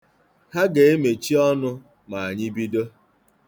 Ha ga-emechi ọnụ ma anyị bido.